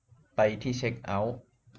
ไปที่เช็คเอ้าท์